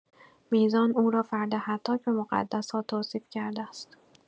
میزان او را «فرد هتاک به مقدسات» توصیف کرده است.